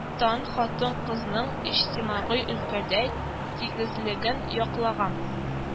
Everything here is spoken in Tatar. Тан, хатын-кызның иҗтимагый өлкәдә тигезлеген яклаган